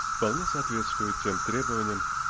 вполне соответствует тем требованиям